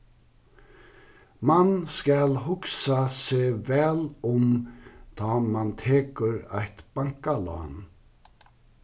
mann skal hugsa seg væl um tá mann tekur eitt bankalán